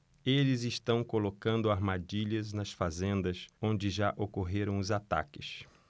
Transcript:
eles estão colocando armadilhas nas fazendas onde já ocorreram os ataques